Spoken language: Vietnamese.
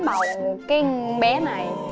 bầu cái bé này